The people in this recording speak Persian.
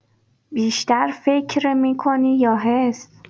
بیشتر فکر می‌کنی یا حس؟